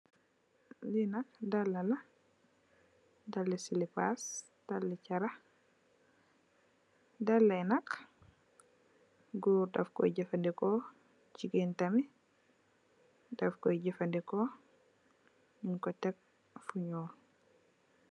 Li nak dalla la dalla silipàs, dalli carax. Dalla yi nak gór daf koy jafandiko jigeen tamid daf koy jafandiko.